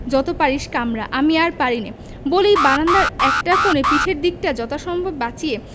যত পারিস কামড়া আমি আর পারিনে বলেই বারান্দায় একটা কোণে পিঠের দিকটা যতটা সম্ভব বাঁচিয়ে